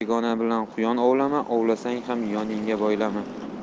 begona bilan quyon ovlama ovlasang ham yoningga boylama